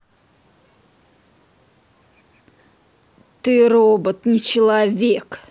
ты робот не человек